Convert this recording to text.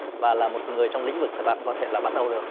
và là một người trong lĩnh vực thời bạn có thể là bắt đầu được